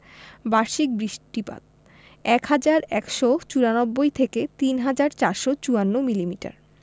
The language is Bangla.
বার্ষিক বৃষ্টিপাত ১হাজার ১৯৪ থেকে ৩হাজার ৪৫৪ মিলিমিটার